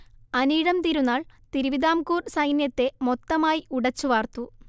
അനിഴം തിരുനാൾ തിരുവിതാംകൂർ സൈന്യത്തെ മൊത്തമായി ഉടച്ചു വാർത്തു